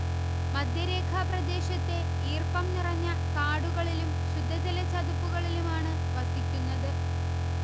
മധ്യരേഖാപ്രദേശത്തെ ഈർപ്പം നിറഞ്ഞ കാടുകളിലും ശുദ്ധജലചതുപ്പുകളിലുമാണ് വസിക്കുന്നത്